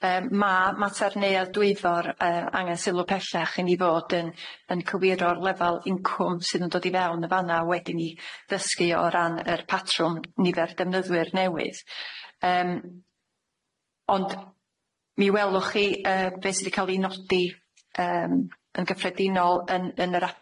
Yym ma' mater Neuadd Dwyfor yy angen sylw pellach i ni fod yn yn cywiro'r lefal incwm sydd yn dod i fewn yn fan'na wedyn i ddysgu o ran yr patrwm nifer defnyddwyr newydd yym ond mi welwch chi yy be' sydd 'di ca'l 'i nodi yym yn gyffredinol yn yn yr